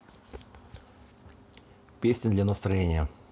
песня для настроения